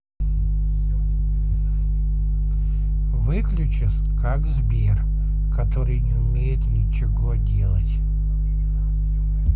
выключись как сбер который не умеет ничего делать